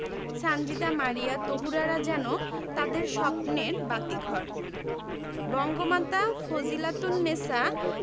সানজিদা মারিয়া তহুরারা যেন তাদের স্বপ্নের বাতিঘর বঙ্গমাতা ফজিলাতুন্নেছা